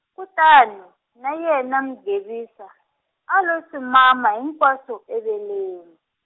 kutani, na yena Mugevisa, a lo swi mama hinkwaswo eveleni.